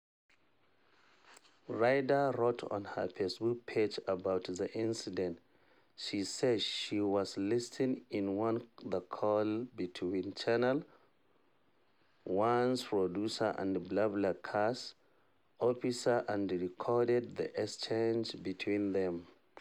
Reyder wrote on her Facebook page about the incident. She says she was listening in on the call between Channel One’s producer and BlaBlaCar’s PR officer and recorded the exchange between them: